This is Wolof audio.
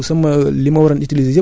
ba fi sama doole yam